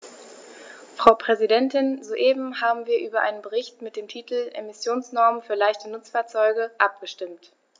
Frau Präsidentin, soeben haben wir über einen Bericht mit dem Titel "Emissionsnormen für leichte Nutzfahrzeuge" abgestimmt.